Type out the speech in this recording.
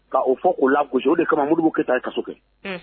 K' o fɔ o lago o de kama mori kɛ taa i kaso kɛ